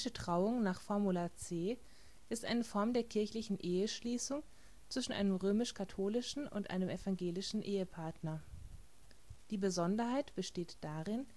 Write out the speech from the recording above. Trauung nach Formular C ist eine Form der kirchlichen Eheschließung zwischen einem römisch-katholischen und einem evangelischen Ehepartner. Die Besonderheit besteht darin